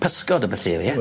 Pysgod a ie?